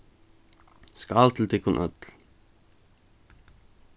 skál til tykkum øll